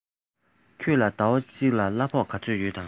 ཁྱོད ལ ཟླ བ གཅིག ལ གླ ཕོགས ག ཚོད ཡོད དམ